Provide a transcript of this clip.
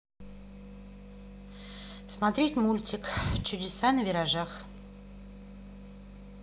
смотреть мультик чудеса на виражах